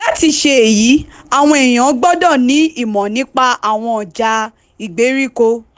Láti ṣe èyí, àwọn èèyàn gbọdọ̀ ní ìmọ̀ nípa àwọn ọjà ìgbèríko.